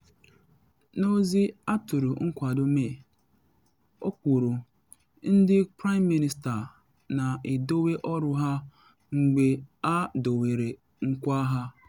N’ozi atụrụ Nwada May, o kwuru: ‘Ndị praịm minista na edowe ọrụ ha mgbe ha dowere nkwa ha.’